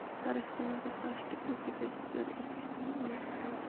har ehtimolga qarshi deb o'ziga bir ikki so'm olib qoldi